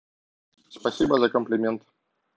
спасибо за комплимент